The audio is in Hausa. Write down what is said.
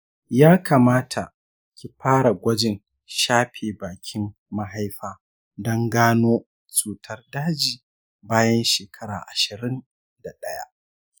ya kamata ki fara gwajin shafe bakin mahaifa don gano cutar daji bayan shekara ashrin da daya.